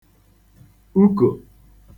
ukò